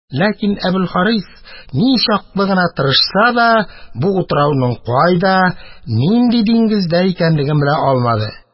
Ләкин Әбелхарис, ничаклы гына тырышса да, бу утрауның кайда, нинди диңгездә икәнлеген белә алмады.